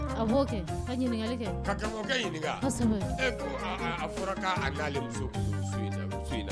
A'o kɛ ka ɲininkali kɛ ka ɲininka ko a fɔra k'